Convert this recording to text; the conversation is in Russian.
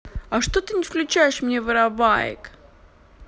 а что ты не включаешь мне вороваек